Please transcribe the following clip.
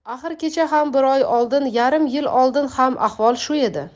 axir kecha ham bir oy oldin yarim yil oldin ham ahvol shu edi